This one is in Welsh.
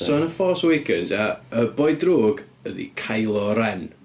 So yn y Force Awakens, ia. Y boi drwg ydy Kylo Ren.